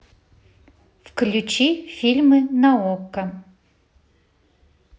включи фильмы на окко